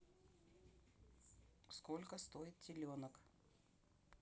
сколько стоит теленок